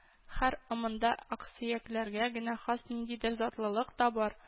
Һәр ымында аксөякләргә генә хас ниндидер затлылык та бар